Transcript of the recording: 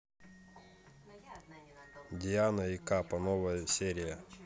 диана и капа новая серия